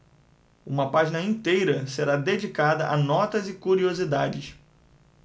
uma página inteira será dedicada a notas e curiosidades